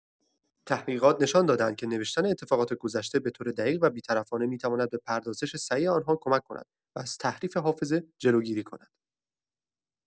تحقیقات نشان داده‌اند که نوشتن اتفاقات گذشته به‌طور دقیق و بی‌طرفانه می‌تواند به پردازش صحیح آن‌ها کمک کند و از تحریف حافظه جلوگیری کند.